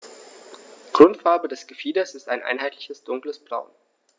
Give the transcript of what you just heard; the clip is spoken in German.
Grundfarbe des Gefieders ist ein einheitliches dunkles Braun.